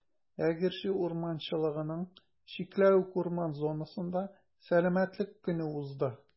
Әгерҗе урманчылыгының «Чикләвек» урман зонасында Сәламәтлек көне узды.